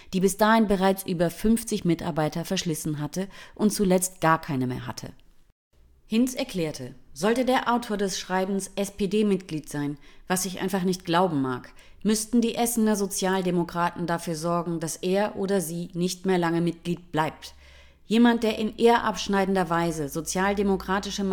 die bis dahin bereits über 50 Mitarbeiter „ verschlissen “hatte und zuletzt gar keine mehr hatte. Hinz erklärte: „ Sollte der Autor des Schreibens SPD-Mitglied sein – was ich einfach nicht glauben mag – müssten die Essener Sozialdemokraten dafür sorgen, dass er oder sie nicht mehr lange Mitglied bleibt. Jemand, der in ehrabschneidender Weise sozialdemokratische